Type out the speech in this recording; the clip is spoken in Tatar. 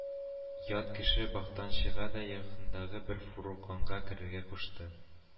Ят кеше бактанчыга да якындагы бер фургонга керергә кушты